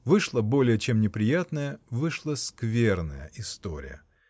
вышла более чем неприятная, вышла скверная история.